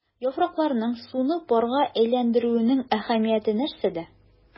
Яфракларның суны парга әйләндерүнең әһәмияте нәрсәдә?